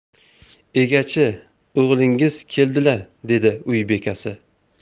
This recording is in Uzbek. egachi o'g'lingiz keldilar dedi uy bekasi